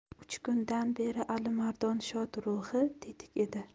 uch kundan beri alimardon shod ruhi tetik edi